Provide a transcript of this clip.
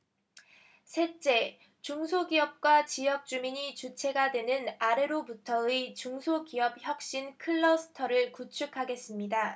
셋째 중소기업과 지역주민이 주체가 되는 아래로부터의 중소기업 혁신 클러스터를 구축하겠습니다